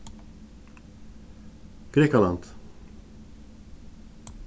grikkaland